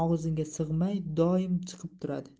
og'ziga sig'may doim chiqib turadi